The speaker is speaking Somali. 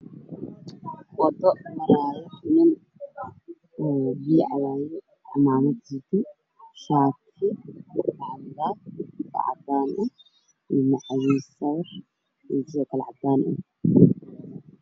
Meeshaa waxaa ka muuqda waddo ay marayaan nin iyo bajaaj ninka waxa uu wataa shaar cad macawis sabar iyo buumo guduudan garabkana waxaa u saaran adeeg